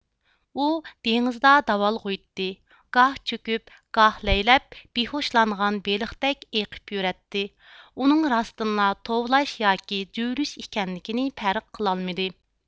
ئۇ دېڭىزدا داۋالغۇيتتى گاھ چۆكۈپ گاھ لەيلەپ بىھۇشلانغان بېلىقتەك ئېقىپ يۈرەتتى بۇنىڭ راستىنلا توۋلاش ياكى جۆيلۈش ئىكەنلىكىنى پەرق قىلالمىدى